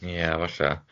Ie, falla.